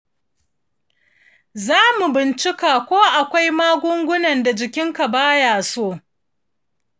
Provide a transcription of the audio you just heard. zamu bincika ko akwai magungunan da jikinka ba ya so.